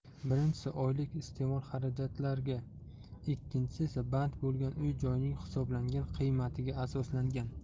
birinchisi oylik iste'mol xarajatlarga ikkinchisi esa band bo'lgan uy joyning hisoblangan qiymatiga asoslangan